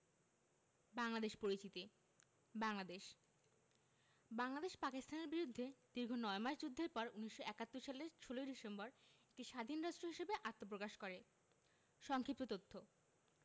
বাংলাদেশ পরিচিতি বাংলাদেশ বাংলাদেশ পাকিস্তানের বিরুদ্ধে দীর্ঘ নয় মাস যুদ্ধের পর ১৯৭১ সালের ১৬ ডিসেম্বর একটি স্বাধীন রাষ্ট্র হিসেবে আত্মপ্রকাশ করে সংক্ষিপ্ত তথ্য